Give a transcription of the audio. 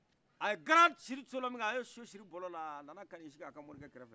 a ye gara siri sola min kɛ a ye so siri bɔlɔla a nana kan'i sigi a ka mɔrikɛ kɛrɛfɛ